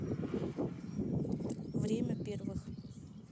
время первых